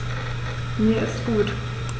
Mir ist gut.